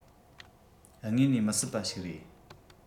དངོས ནས མི སྲིད པ ཞིག རེད